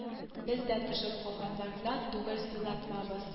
Без дә төшеп калганнардан түгел сынатмабыз